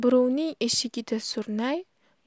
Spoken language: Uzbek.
birovning eshigida surnay